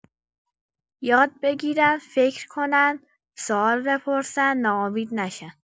یاد بگیرن فکر کنن، سوال بپرسن، ناامید نشن.